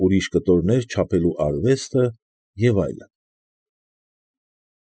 Ուրիշ կտորներ չափելու արվեստը և այլն։